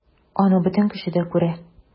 Аны бөтен кеше дә күрә...